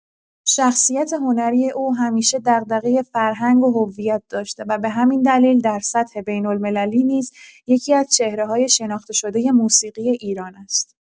شخصیت هنری او همیشه دغدغه فرهنگ و هویت داشته و به همین دلیل در سطح بین‌المللی نیز یکی‌از چهره‌های شناخته‌شده موسیقی ایران است.